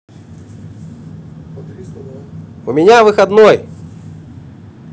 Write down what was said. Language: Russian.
у меня выходной